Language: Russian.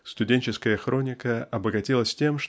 студенческая хроника обогатилась тем